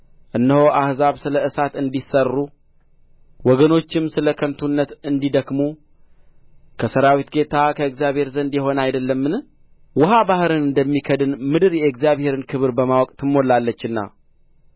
እነሆ አሕዛብ ስለ እሳት እንዲሠሩ ወገኖችም ስለ ከንቱነት እንዲደክሙ ከሠራዊት ጌታ ከእግዚአብሔር ዘንድ የሆነ አይደለምን ውኃ ባሕርን እንደሚከድን ምድር የእግዚአብሔርን ክብር በማወቅ ትሞላለችና